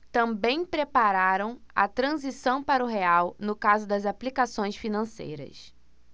também preparam a transição para o real no caso das aplicações financeiras